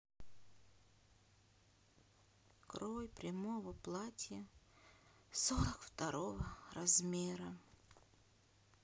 крой прямого платья сорок второго размера